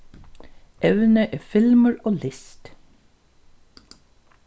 evnið er filmur og list